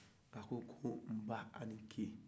a ko ko nba e ni ce